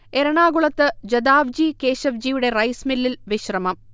എറണാകുളത്ത് ജദാവ്ജി കേശവ്ജിയുടെ റൈസ് മില്ലിൽ വിശ്രമം